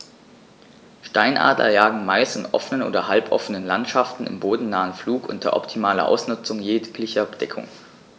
Steinadler jagen meist in offenen oder halboffenen Landschaften im bodennahen Flug unter optimaler Ausnutzung jeglicher Deckung.